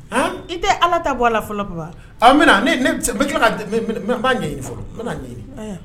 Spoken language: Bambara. Hen, I tɛ allah ta bɔ a la fɔlɔ Papa ɔ, n bɛna, n bɛ tila k''a, n b'a ɲɛɲin fɔlɔ , bɛna ɲɛɲini, aya